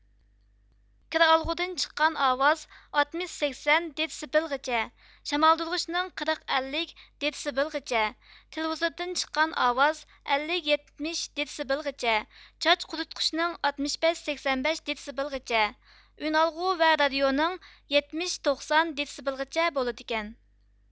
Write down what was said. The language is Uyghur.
كىرئالغۇدىن چىققان ئاۋاز ئاتمىش تىن سەكسەن دېتسبېلغىچە شامالدۇرغۇچنىڭ قىرىق تىن ئەللىك دېتسبېلغىچە تېلېۋىزوردىن چىققان ئاۋاز ئەللىك تىن يەتمىش دېتسبېلغىچە چاچ قۇرۇتقۇچنىڭ ئاتمىش بەش تىن سەكسەن بەش دېتسبېلغىچە ئۈنئالغۇ ۋە رادىئونىڭ يەتمىش تىن توقسەن دېتسىبېلغىچە بولىدىكەن